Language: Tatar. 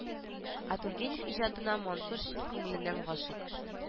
Ә тургенев иҗатына мансур чын күңеленнән гашыйк